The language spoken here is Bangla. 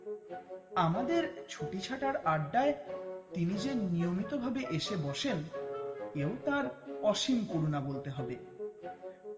আমাদের ছুটি ছাটার আড্ডায় তিনি যে নিয়মিত ভাবে এসে বসেন ও তার অসীম করুণা বলতে হবে